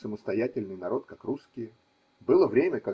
самостоятельный народ, как русские: было время.